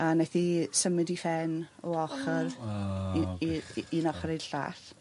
A naeth 'i symud 'i phen o ochor i i u- un ochor i'r llal.